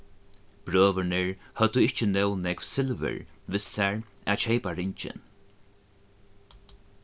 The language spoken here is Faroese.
brøðurnir høvdu ikki nóg nógv silvur við sær at keypa ringin